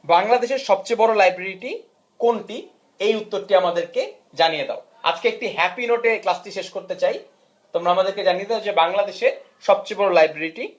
বাংলাদেশের সবচেয়ে বড় লাইব্রেরি কোনটি এই উত্তরটি আমাদেরকে জানিয়ে দাও আজকে একটি হ্যাপি নোটে ক্লাসটি শেষ করতে চাই তোমরা আমাদেরকে জানিয়ে দাও যে বাংলাদেশের সবচেয়ে বড় লাইব্রেরি টি